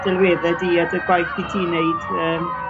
delwedde di a dy gwaith 'yt ti'n neud yym.